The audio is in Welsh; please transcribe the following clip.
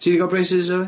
Ti 'di ga'l braces yfe?